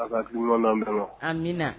amiina